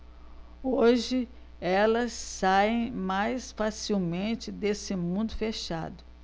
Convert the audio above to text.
hoje elas saem mais facilmente desse mundo fechado